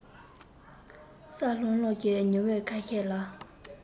གསལ ལྷང ལྷང གི ཉི འོད ཁ ཤར ལ